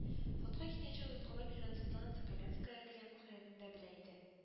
Флотка киткәнче озаткалап йөргән светлана соколянская дигән ахирәтен дә белә иде